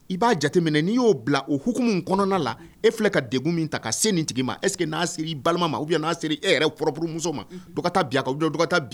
I b'a jateminɛ n'i y'o bila o hukumu kɔnɔna la e filɛ ka degun min ta ka se nin tigi ma est - ce que n'a seli i balima, ou bien n'a seli e yɛrɛ propre muso ma dɔ ka taa bi a kan!